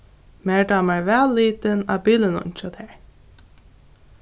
mær dámar væl litin á bilinum hjá tær